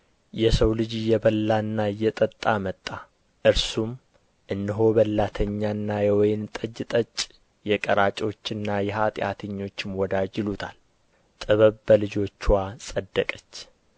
የሰው ልጅ እየበላና እየጠጣ መጣ እነርሱም እነሆ በላተኛና የወይን ጠጅ ጠጭ የቀራጮችና የኃጢአተኞች ወዳጅ ይሉታል ጥበብም በልጆችዋ ጸደቀች